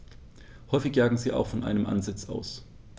Häufig jagen sie auch von einem Ansitz aus.